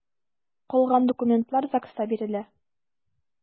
Калган документлар ЗАГСта бирелә.